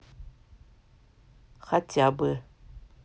хотя бы